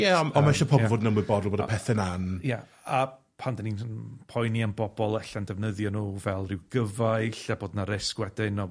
Ie, on' on' ma' ishe pobol fod yn ymwybodol bod y pethe 'na'n... Ie, a pan 'dan ni'n poeni am bobol ella'n defnyddio nw fel ryw gyfaill a bod na risg wedyn, o-